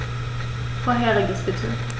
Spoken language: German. Vorheriges bitte.